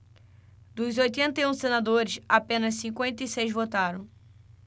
dos oitenta e um senadores apenas cinquenta e seis votaram